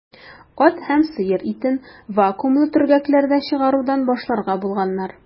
Ат һәм сыер итен вакуумлы төргәкләрдә чыгарудан башларга булганнар.